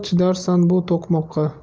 chidarsan bu to'qmoqqa